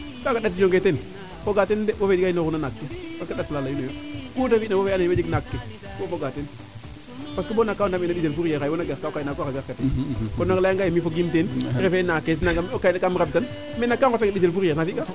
kaga a ɗates yonge teen foga teen de wo fee gay no xuuna naak ke parce a ɗat leyino yo ku de fina wo fee ando naye wo jeg naak ke wo fogaa teen parce que bo xot eena mene mbisel fourriere xaye wona gar kaa o kay naako'xe gar katee kon kay a nleya nga yee mi fogiim teen refee nakes nangam kam rab dan mene ba ngoteena mbisel fourriere xa fi kaa